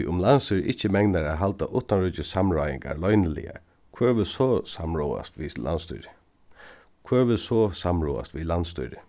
tí um landsstýrið ikki megnar at halda uttanríkissamráðingar loyniligar hvør vil so samráðast við landsstýrið hvør vil so samráðast við landsstýrið